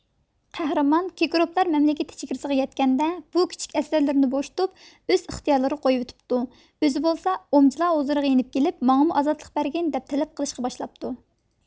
قەھرىمان كېكروپلار مەملىكىتى چېگرىسىغا يەتكەندە بۇ كىچىك ئەسىرلىرىنى بوشىتىپ ئۆز ئىختىيارلىرىغا قويۇۋېتىپتۇ ئۆزى بولسا ئومجلا ھۇزۇرىغا يېنىپ كېلىپ ماڭىمۇ ئازادلىق بەرگىن دەپ تەلەپ قىلىشقا باشلاپتۇ